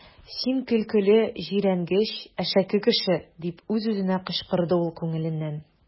Син көлкеле, җирәнгеч, әшәке кеше! - дип үз-үзенә кычкырды ул күңеленнән.